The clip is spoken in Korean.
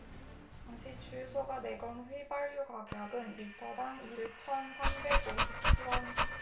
당시 주유소가 내건 휘발유 가격은 리터당 일 천 삼백 오십 칠 원